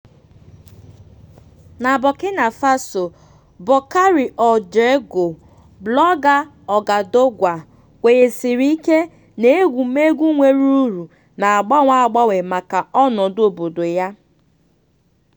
Na Burkina Faso, Boukari Ouédraogo, blọga Ouagadougou, kwenyesiri ike na egwumegwu nwere uru na-abawanye abawanye maka ọnọdụ obodo ya.